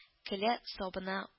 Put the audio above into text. Келә сабына